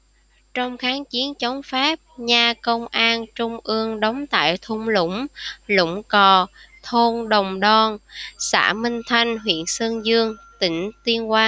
trong kháng chiến chống pháp nha công an trung ương đóng tại thung lũng lũng cò thôn đồng đon xã minh thanh huyện sơn dương tỉnh tuyên quang